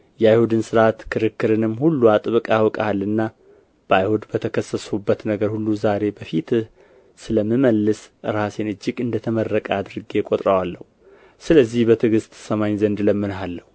የአይሁድን ሥርዓት ክርክርንም ሁሉ አጥብቀህ አውቀሃልና በአይሁድ በተከሰስሁበት ነገር ሁሉ ዛሬ በፊትህ ስለምመልስ ራሴን እጅግ እንደ ተመረቀ አድርጌ እቈጥረዋለሁ ስለዚህ በትዕግሥት ትሰማኝ ዘንድ እለምንሃለሁ